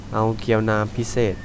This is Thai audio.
เอาเกี้ยวน้ำพิเศษ